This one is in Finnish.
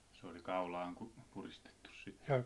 se oli kaulaan puristettu sitten